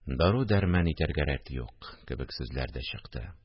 – дару-дәрман итәргә рәт юк... – кебек сүзләр дә чыкты